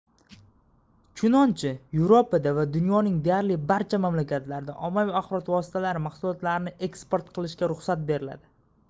chunonchi yevropada va dunyoning deyarli barcha mamlakatlarida ommaviy axborot vositalari mahsulotlarini eksport qilishga ruxsat beriladi